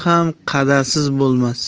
ham qa'dasiz bo'lmas